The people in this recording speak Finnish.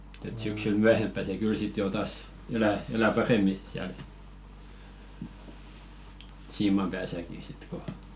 mutta että syksyllä myöhempään se kyllä sitten jo taas elää elää paremmin siellä siiman päässäkin sitten kun